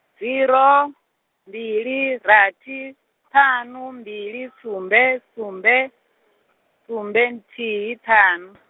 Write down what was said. zero, mbili rathi, thuna mbili sumbe sumbe, sumbe nthihi ṱhanu .